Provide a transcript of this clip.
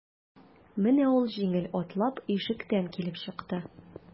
Менә ул җиңел атлап ишектән килеп чыкты.